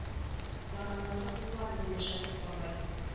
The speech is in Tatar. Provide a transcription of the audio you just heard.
Зарланырлык булмады диде шәфыйкъ бабай